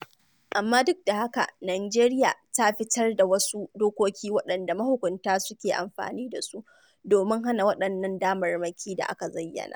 Amma duk da haka, Najeriya ta fitar da wasu dokokin waɗanda mahukunta suke amfani da su domin hana waɗannan damarmakin da aka zayyana.